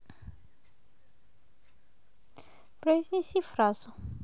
произнеси фразу